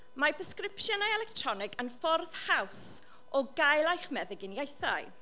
Mae presgripsiynau electronig yn ffordd haws o gael eich meddyginiaethau.